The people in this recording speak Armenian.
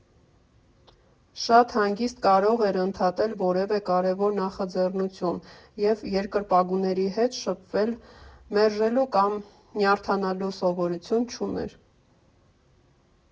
Շատ հանգիստ կարող էր ընդհատել որևէ կարևոր նախաձեռնություն և երկրպագուների հետ շփվել՝ մերժելու կամ նյարդայնանալու սովորություն չուներ։